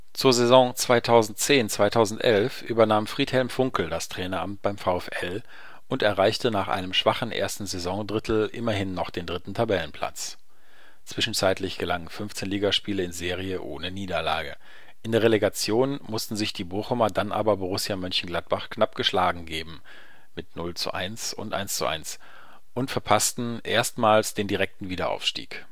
Zur Saison 2010/11 übernahm Friedhelm Funkel das Traineramt beim VfL und erreichte nach einem schwachen ersten Saisondrittel immerhin noch den dritten Tabellenplatz (zwischenzeitlich gelangen 15 Ligaspiele in Serie ohne Niederlage), in der Relegation mussten sich die Bochumer dann aber Borussia Mönchengladbach knapp geschlagen geben (0:1 und 1:1) und verpasste erstmals den direkten Wiederaufstieg